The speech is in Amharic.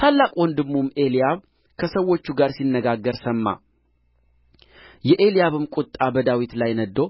ታላቅ ወንድሙም ኤልያብ ከሰዎች ጋር ሲነጋገር ሰማ የኤልያብም ቍጣ በዳዊት ላይ ነድዶ